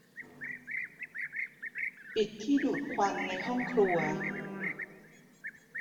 ปิดที่ดูดควันในห้องครัว